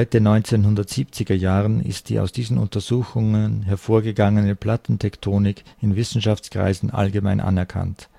1970er Jahren ist die aus diesen Untersuchungen hervorgegangene Plattentektonik in Wissenschaftskreisen allgemein anerkannt